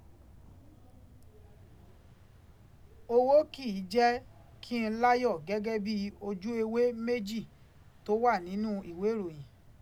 Owó kì í jẹ́ kí n láyọ̀ gẹ́gẹ́ bí ojú ewé méjì tó wà nínú ìwé ìròyìn.